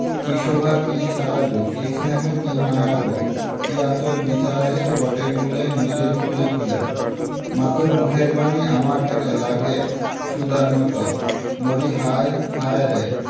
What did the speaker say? কী শোভা কী ছায়া গো কী স্নেহ কী মায়া গো কী আঁচল বিছায়েছ বটের মূলে নদীর কূলে কূলে মা তোর মুখের বাণী আমার কানে লাগে সুধার মতো মরিহায় হায়রে